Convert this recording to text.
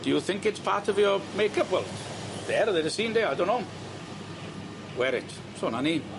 Do you think it's part of your makeup? Well there dedes i ynde I don know. Wear it. So 'na ni.